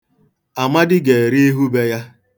Amadi ga-ere ihu be ya.